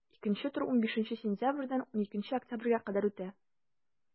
Икенче тур 15 сентябрьдән 12 октябрьгә кадәр үтә.